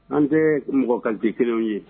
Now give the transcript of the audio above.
An tɛ mɔgɔ qualité kelenw ye.